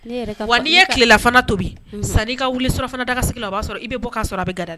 Ne yɛrɛt 'a Wa n'i ye tilela fana tobi san' i ka wuli surɔfana daga sigi la, o b' a sɔrɔ i bɛ bɔ k'a sɔrɔ a bɛ gwada la!